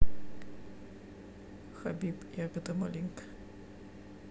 хабиб ягода малинка